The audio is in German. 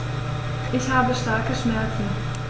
Ich habe starke Schmerzen.